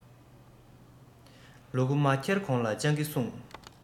ལུ གུ མ འཁྱེར གོང ལ སྤྱང ཀི སྲུངས